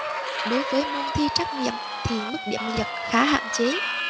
đối với môn thi trắc nghiệm thì mức điểm liệt khá hạn chế